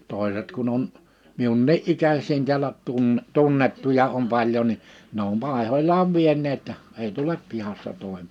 toiset kun on minunkin ikäisiä täällä - tunnettuja on paljon niin ne on Paiholaan vieneet ei tule pihassa -